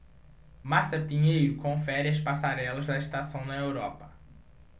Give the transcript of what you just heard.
márcia pinheiro confere as passarelas da estação na europa